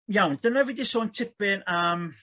Iawn dyna fi 'di sôn tipyn am